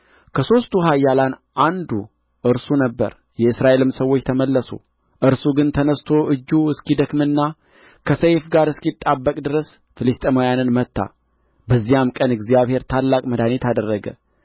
ከሦስቱ ኃያላን አንዱ እርሱ ነበረ የእስራኤልም ሰዎች ተመለሱ እርሱ ግን ተነሥቶ እጁ እስኪደክምና ከሰይፉ ጋር እስኪጣበቅ ድረስ ፍልስጥኤማውያንን መታ በዚያም ቀን እግዚአብሔር ታላቅ መድኃኒት አደረገ